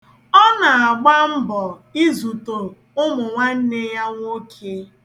Ọ na-agba mbọ ịzụto ụmụ nwanne ya nwoke.